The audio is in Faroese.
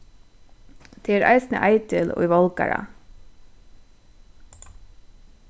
tað er eisini eitil í válgara